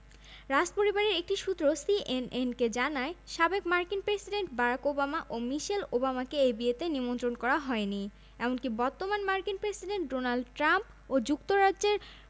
একই আলোকচিত্রী গত বছর ফ্রোগমোর হাউসে এই দুজনের বাগদানের আনুষ্ঠানিক ফটোশুট করেছিলেন বিয়েতে কনের পোশাক